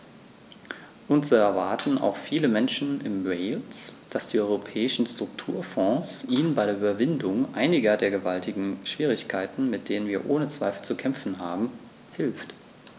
Und so erwarten auch viele Menschen in Wales, dass die Europäischen Strukturfonds ihnen bei der Überwindung einiger der gewaltigen Schwierigkeiten, mit denen wir ohne Zweifel zu kämpfen haben, hilft.